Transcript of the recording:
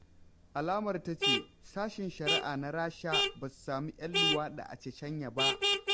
alamar ta ce: SASHEN SHARI'A NA RASHA BA SU SAMI 'YAN LUWAɗI A CHECHYA BA.